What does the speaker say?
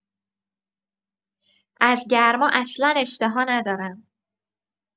از گرما اصلا اشتها ندارم.